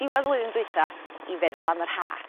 diwedd flwyddyn dwytha i feddwl am yr Ha.